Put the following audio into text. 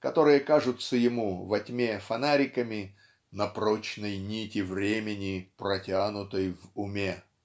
которые кажутся ему во тьме фонариками "на прочной нити времени протянутой в уме"